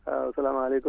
waaw salaamaaleykum